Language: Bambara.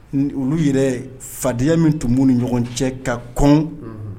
Olu yɛrɛ fadenyaya min tun b'u ni ɲɔgɔn cɛ ka kɔn